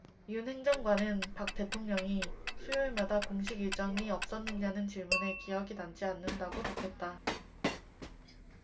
윤 행정관은 박 대통령이 수요일마다 공식일정이 없었느냐는 질문에 기억이 나지 않는다고 답했다